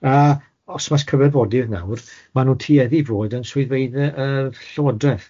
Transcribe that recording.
A os ma cyfarfodydd nawr, mae nw'n tueddu i fod yn swyddfeydd yy Llywodraeth.